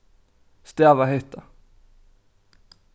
stava hetta